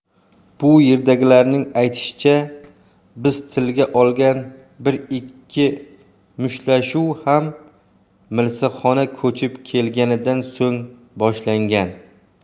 bu yerdagilarning aytishicha biz tilga olgan bir ikki mushtlashuv ham milisaxona ko'chib kelganidan so'ng boshlangan